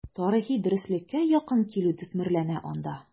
Тарихи дөреслеккә якын килү төсмерләнә анда.